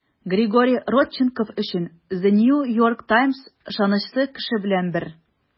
Григорий Родченков өчен The New York Times ышанычлы кеше белән бер.